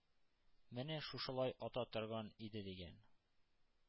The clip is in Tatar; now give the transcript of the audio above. Менә шушылай ата торган иде»,— дигән.